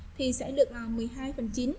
thì sẽ được vào